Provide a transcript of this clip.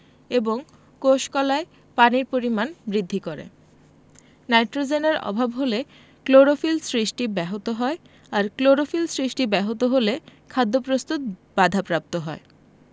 এবং কোষ কলায় পানির পরিমাণ বৃদ্ধি করে নাইট্রোজেনের অভাব হলে ক্লোরোফিল সৃষ্টি ব্যাহত হয় আর ক্লোরোফিল সৃষ্টি ব্যাহত হলে খাদ্য প্রস্তুত বাধাপ্রাপ্ত হয়